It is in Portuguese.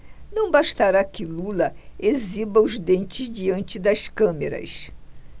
não bastará que lula exiba os dentes diante das câmeras